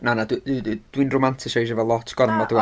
Na, na, dwi u- d- dwi'n romantisaisio fo lot gormod rŵan.